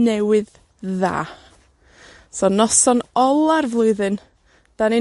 Newydd Dda. So noson ola'r flwyddyn, 'dan ni'n